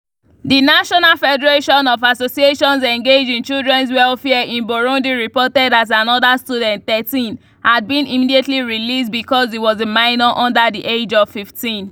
The National Federation of Associations Engaged in Children's Welfare in Burundi reported that another student, 13, had been immediately released because he was a minor under the age of 15.